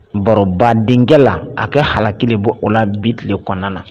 Baroba denkɛ la a kɛ haki bɔ o la bi tile kɔnɔna na